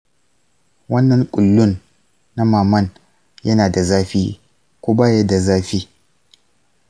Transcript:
wannan ƙullun na maman yana da zafi ko ba ya da zafi?